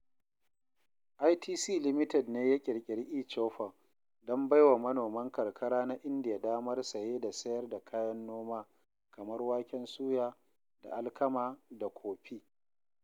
ITC Limited ne ya ƙirƙiri e-Choupal don bai wa manoman karkara na India damar saye da sayar da kayan noma kamar waken suya da alkama da kofi.